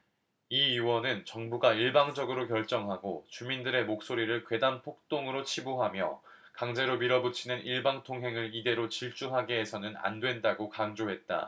이 의원은 정부가 일방적으로 결정하고 주민들의 목소리를 괴담 폭동으로 치부하며 강제로 밀어붙이는 일방통행을 이대로 질주하게 해서는 안 된다고 강조했다